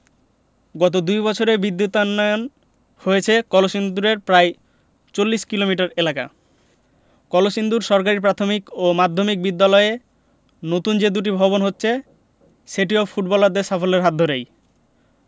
গত দুই বছরে বিদ্যুতায়ন হয়েছে কলসিন্দুরের প্রায় ৪০ কিলোমিটার এলাকা কলসিন্দুর সরকারি প্রাথমিক ও মাধ্যমিক বিদ্যালয়ে নতুন যে দুটি ভবন হচ্ছে সেটিও ফুটবলারদের সাফল্যের হাত ধরেই